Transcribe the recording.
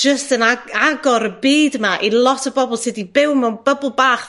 jyst yn ag- agor y byd 'ma i lot o bobol sy 'di byw mewn bybl bach